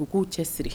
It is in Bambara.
U k'u cɛ siri